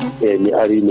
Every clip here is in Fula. eyyi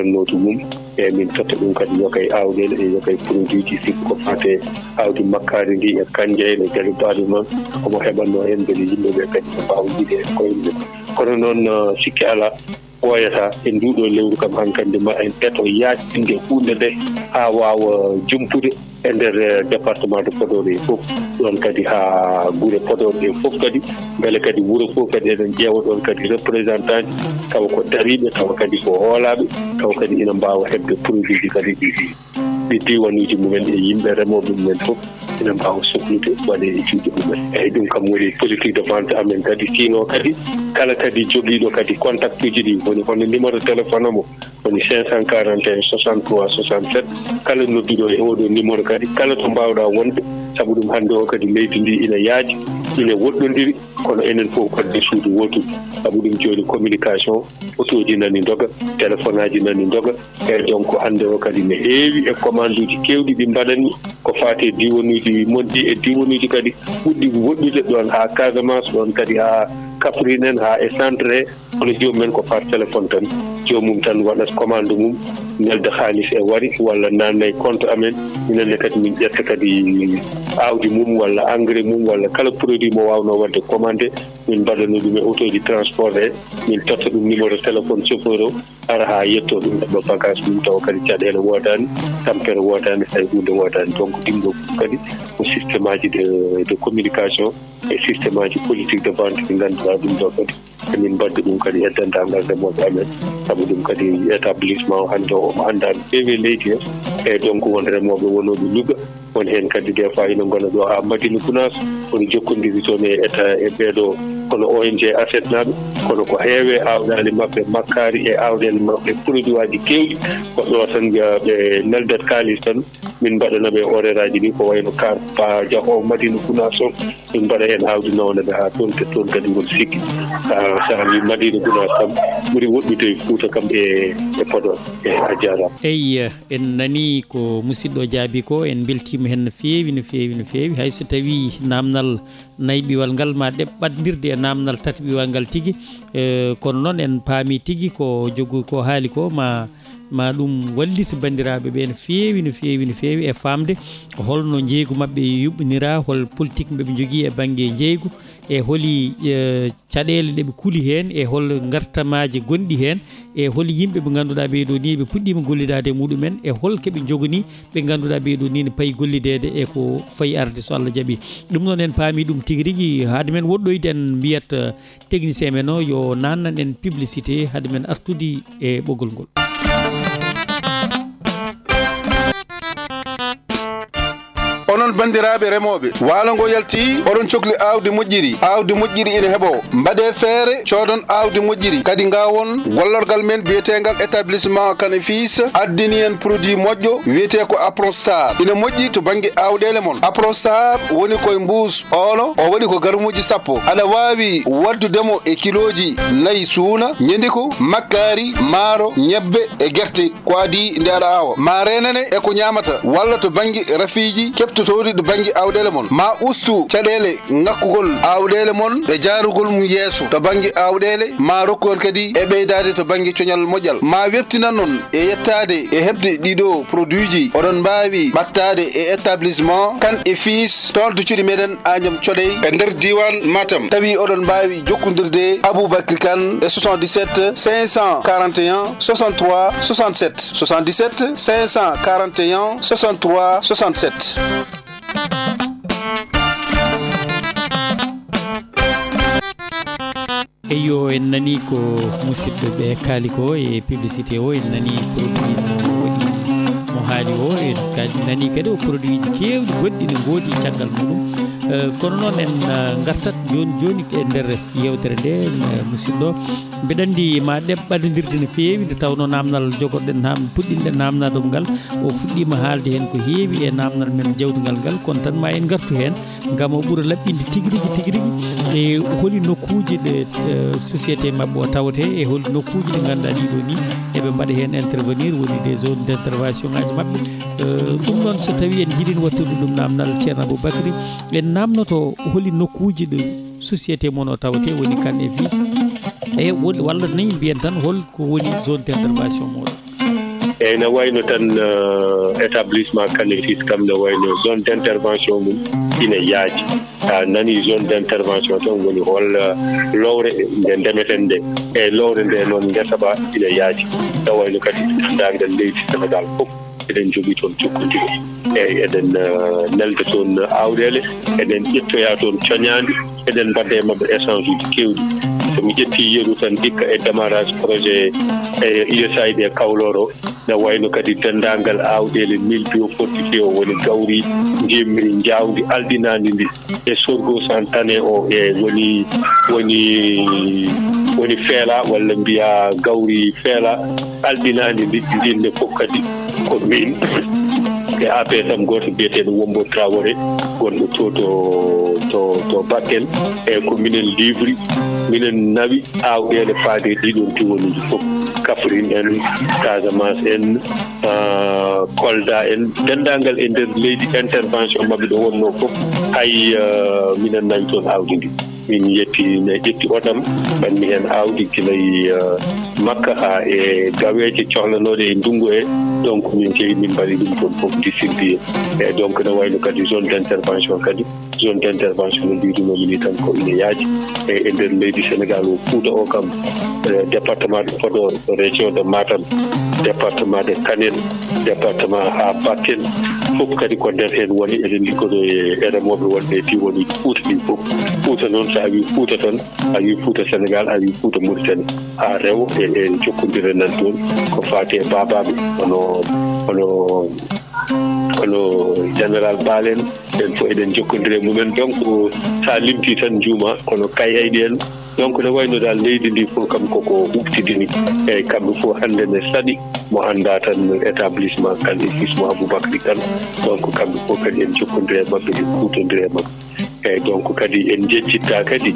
mi ari mi * haa min joddi toon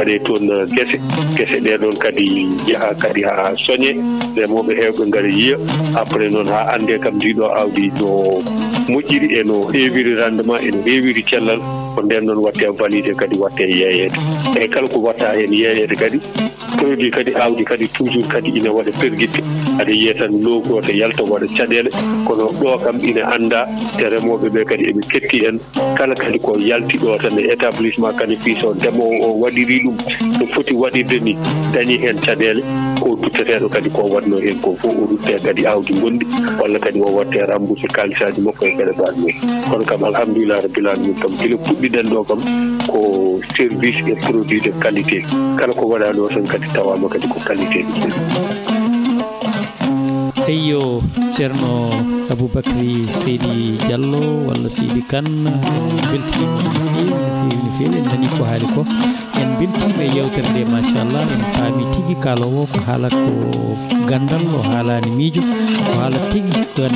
eko wayno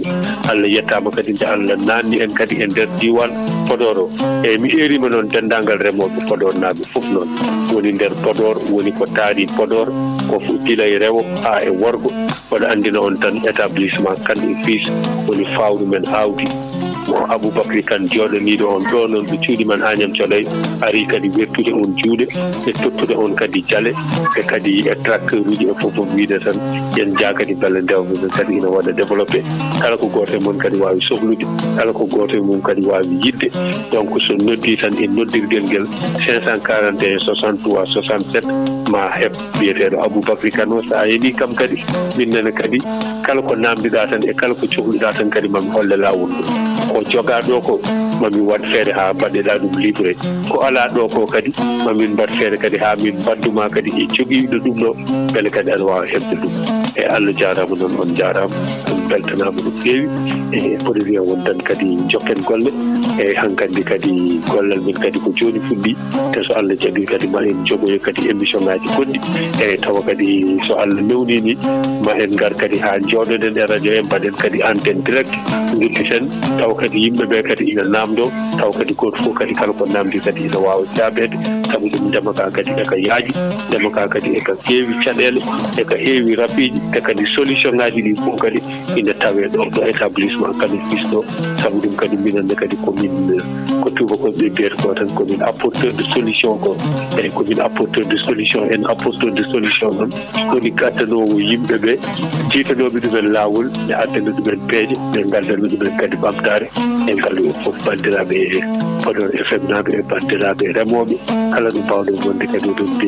Korat naɓe